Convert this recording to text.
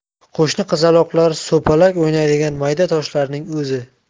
qo'shni qizaloqlar sopalak o'ynaydigan mayda toshlarning o'zi